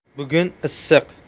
bugun issiq